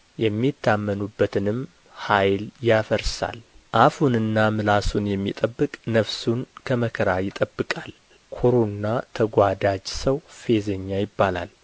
የሚታመኑበትንም ኃይል ያፈርሳል አፉንና ምላሱን የሚጠብቅ ነፍሱን ከመከራ ይጠብቃል ኵሩና ተጓዳጅ ሰው ፌዘኛ ይባላል